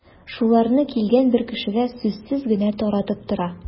Шуларны килгән бер кешегә сүзсез генә таратып тора.